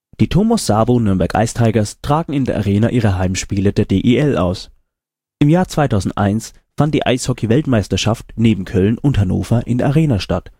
Die Thomas Sabo Nürnberg Ice Tigers tragen in der Arena ihre Heimspiele der DEL aus. Im Jahr 2001 fand die Eishockey-Weltmeisterschaft neben Köln und Hannover in der Arena statt